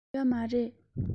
ཡོད མ རེད